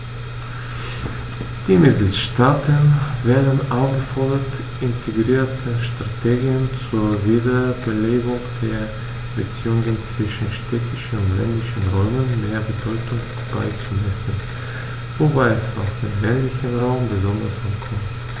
Die Mitgliedstaaten werden aufgefordert, integrierten Strategien zur Wiederbelebung der Beziehungen zwischen städtischen und ländlichen Räumen mehr Bedeutung beizumessen, wobei es auf den ländlichen Raum besonders ankommt.